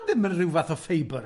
Dim yn rhyw fath o ffeibr?